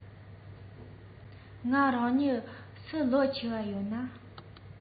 ང རང གཉིས སུ ལོ ཆེ བ ཡོད ན